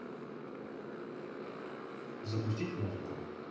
запустить музыку